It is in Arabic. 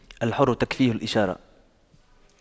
الحر تكفيه الإشارة